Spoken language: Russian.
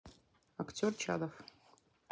актер чадов